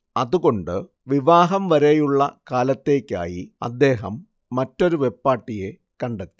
അതുകൊണ്ട് വിവാഹം വരെയുള്ള കാലത്തേയ്ക്കായി അദ്ദേഹം മറ്റൊരു വെപ്പാട്ടിയെ കണ്ടെത്തി